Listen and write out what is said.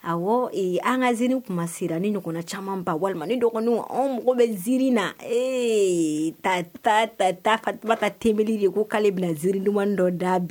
A an ka zi tun sera ni ɲɔgɔn caman ba walima ni dɔgɔnin anw mɔgɔ bɛ ziiri na ee taa taa ta taa ta teb de ko k'ale bila ziiriiɲuman dɔ da bi